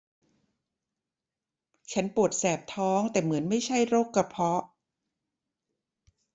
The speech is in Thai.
ฉันปวดแสบท้องแต่เหมือนไม่ใช่โรคกระเพาะ